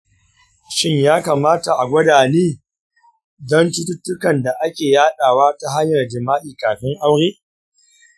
shin ya kamata a gwada ni don cututtukan da ake yadawa ta hanyar jima'i kafin aure?